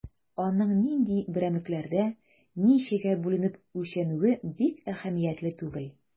Аның нинди берәмлекләрдә, ничәгә бүленеп үлчәнүе бик әһәмиятле түгел.